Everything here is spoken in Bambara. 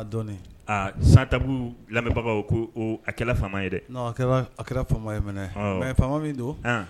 Dɔn sata lamɛnbagaw ko a ye dɛ a kɛra faama ye a faama min don